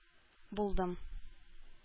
Булдым